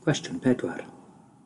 Cwestiwn pedwar: